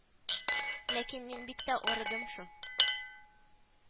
Ләкин мин бик тә арыдым шул